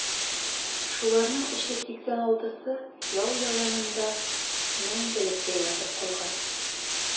Шуларның 386-сы яу яланында мәңгелеккә ятып калган.